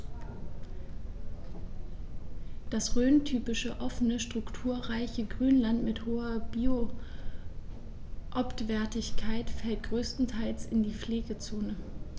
Das rhöntypische offene, strukturreiche Grünland mit hoher Biotopwertigkeit fällt größtenteils in die Pflegezone.